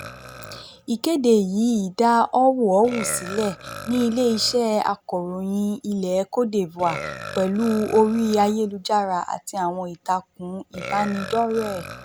Ìkéde yìí dá họ́wùhọ́wù sílẹ̀ ní ilé-iṣẹ́ akọ̀ròyìn ilẹ̀ Cote d'Ivoire pẹ̀lú orí ayélujára àti àwọn ìtakùn ìbánidọ́rẹ̀ẹ́.